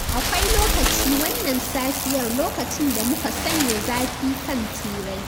Akwai lokaci wannan safiyar lokacin da muka sanya zafi kan Turai.